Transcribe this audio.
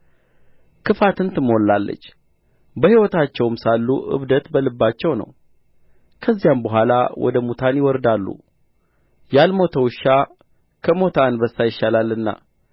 ክፋትን ትሞላለች በሕይወታቸውም ሳሉ እብደት በልባቸው ነው ከዚያም በኋላ ወደ ሙታን ይወርዳሉ ያልሞተ ውሻ ከሞተ አንበሳ ይሻላልና